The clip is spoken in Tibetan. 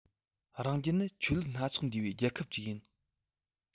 རང རྒྱལ ནི ཆོས ལུགས སྣ ཚོགས འདུས པའི རྒྱལ ཁབ ཅིག ཡིན